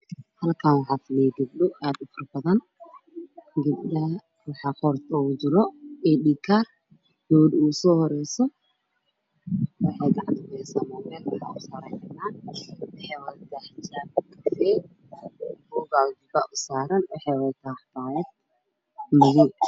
Meeshan waxaa iga muuqda gabdho wato aydhi kaaro iyo kuwo wax sawiranayo iyo kuwo oo kiyaalla wato